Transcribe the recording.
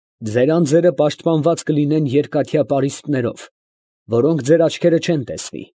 Ձեր անձերը պաշտպանված կլինեն երկաթյա պարիսպներով, որոնք ձեր աչքերը չեն տեսնի։